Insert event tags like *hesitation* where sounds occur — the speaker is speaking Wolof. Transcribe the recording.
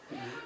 *hesitation* *hesitation*